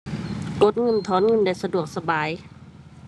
กดเงิน ถอนเงินได้สะดวกสบาย